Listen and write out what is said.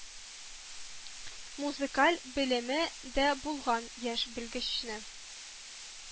Музыкаль белеме дә булган яшь белгечне